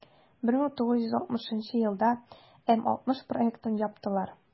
1960 елда м-60 проектын яптылар.